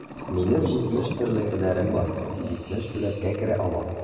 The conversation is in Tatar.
Минем җитмеш төрле һөнәрем бар, җитмеш сурәткә керә алам...